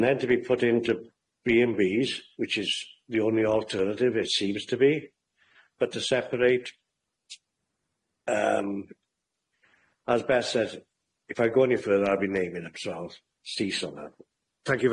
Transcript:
And then to be put into Bee En Bees which is the only alternative it seems to be but to separate yym as best as if I go any further I'll be naming it so I'll ceas on that.